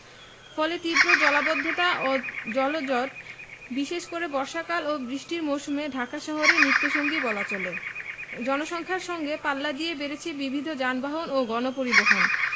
ফলে তীব্র জলাবদ্ধতা ও জলজট বিশেষ করে বর্ষাকাল ও বৃষ্টির মৌসুমে ঢাকা শহরের নিত্যসঙ্গী বলা চলে জনসংখ্যার সঙ্গে পাল্লা দিয়ে বেড়েছে বিবিধ যানবাহন ও গণপরিবহন